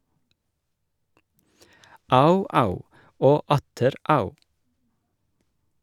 - Au-au, og atter au.